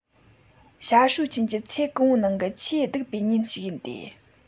ཞ ཧྲུའུ ཆིན གྱི ཚེ གང བོའི ནང གི ཆེས སྡུག པའི ཉིན ཞིག ཡིན ཏེ